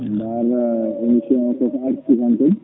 nane émission koko arti han kadi